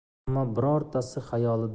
ammo birortasi xayolida